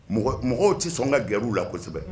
Mɔgɔw tɛ sɔn ka gariw la kosɛbɛ